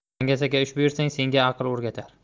dangasaga ish buyursang senga aql o'rgatar